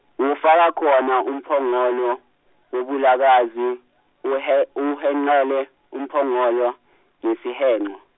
wofaka khona umphongolo wobufakazi, uhe- uhenqele umphongolo ngesihenqo.